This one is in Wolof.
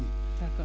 d' acccord